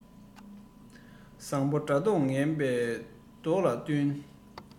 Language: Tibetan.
བཟང པོ དགྲ མགོ ངན པས བཟློག པས བསྟུན